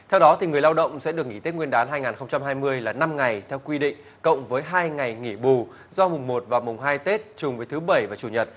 theo đó thì người lao động sẽ được nghỉ tết nguyên đán hai ngàn không trăm hai mươi là năm ngày theo quy định cộng với hai ngày nghỉ bù do mùng một và mùng hai tết trùng với thứ bảy và chủ nhật